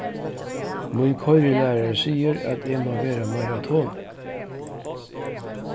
mín koyrilærari sigur at eg má vera meira tolin